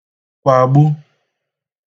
kwàgbu